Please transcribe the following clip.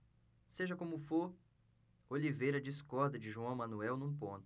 seja como for oliveira discorda de joão manuel num ponto